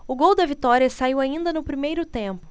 o gol da vitória saiu ainda no primeiro tempo